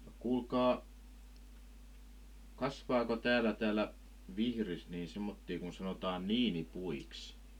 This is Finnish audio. kuulkaa kasvaako täällä täällä Vihdissä niin semmoisia kun sanotaan niinipuiksi